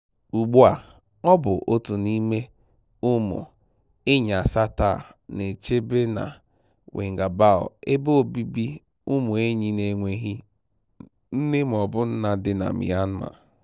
Ugbua, ọ bụ otu n'ime ụmụ enyi asatọ a na-echebe na Wingabaw, ebe obibi ụmụ enyi n'enweghị nne mọọbụ nna dị na Myanmar.